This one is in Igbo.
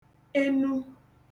enu